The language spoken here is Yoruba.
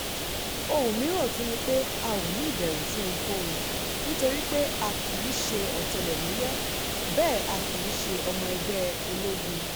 Ohun mìíràn tún ni pé, a ò ní ìbẹ̀rù fún ohunkóhun, nítorí pé a kìí ṣe ọ̀tẹlẹ̀múyẹ́ bẹ́ẹ̀ a kìí ṣe ọmọ ẹgbẹ́ ológun.